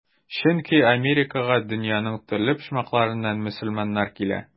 Чөнки Америкага дөньяның төрле почмакларыннан мөселманнар килә.